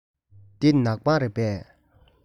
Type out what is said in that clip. འདི ནག པང རེད པས